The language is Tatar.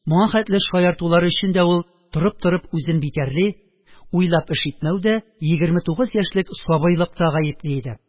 Моңа хәтле шаяртулары өчен дә ул торып-торып үзен битәрли, уйлап эш итмәүдә, егерме тугыз яшьлек сабыйлыкта гаепли иде